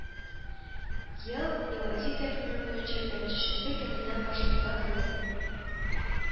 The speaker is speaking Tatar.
Ел – милади тәкъвиме буенча пәнҗешәмбе көненнән башланган ел